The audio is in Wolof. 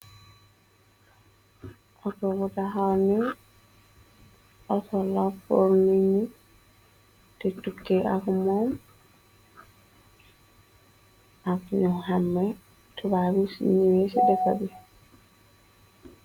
Oto bu taxaw nii, oto la purr nii nyee dii tukki ak mom. Ak ño hamneh tubab yii cinue way ci dekabi.